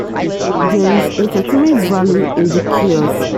There is entertainment value in the chaos.